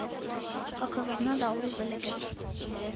Хакыгызны даулый белегез.